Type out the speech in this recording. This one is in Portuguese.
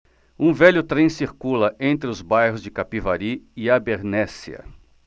um velho trem circula entre os bairros de capivari e abernéssia